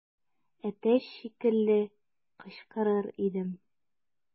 Әтәч шикелле кычкырыр идем.